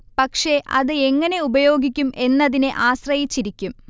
പക്ഷെ അത് എങ്ങനെ ഉപയോഗിക്കും എന്നതിനെ ആശ്രയ്ചിരിക്കും